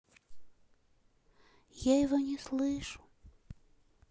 я его не слышу